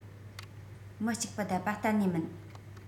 མི གཅིག པུ བསྡད པ གཏན ནས མིན